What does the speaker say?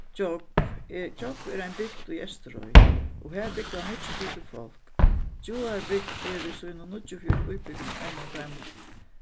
gjógv er gjógv er ein bygd í eysturoy og har búgva níggjuogtretivu fólk gjáar bygd er við sínum níggjuogfjøruti íbúgvum ein av teimum